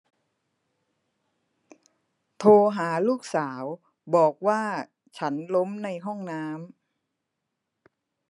โทรหาลูกสาวบอกว่าฉันล้มในห้องน้ำ